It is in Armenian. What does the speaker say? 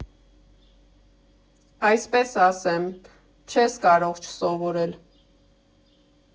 Այսպես ասեմ՝ չես կարող չսովորել։